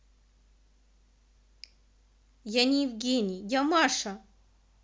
я не евгений я маша